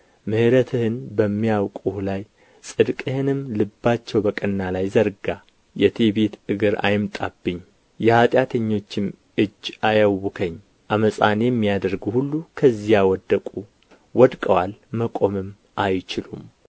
ምሕረትህን በሚያውቁህ ላይ ጽድቅህንም ልባቸው በቀና ላይ ዘርጋ የትዕቢት እግር አይምጣብኝ የኃጢአተኞችም እጅ አያውከኝ ዓመፃን የሚያደርጉ ሁሉ ከዚያ ወደቁ ወድቀዋል መቆምም አይችሉም